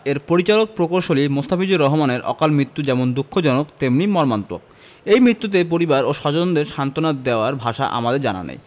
এর পরিচালক প্রকৌশলী মোস্তাফিজুর রহমানের অকালমৃত্যু যেমন দুঃখজনক তেমনি মর্মান্তিক এই মৃত্যুতে পরিবার ও স্বজনদের সান্তনা দেয়ার ভাষা আমাদের জানা নেই